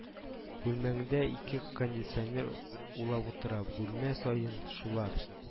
—бүлмәңдә ике кондиционер улап утыра, бүлмә саен шулар…